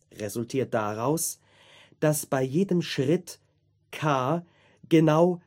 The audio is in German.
resultiert daraus, dass bei jedem Schritt k {\ displaystyle k} genau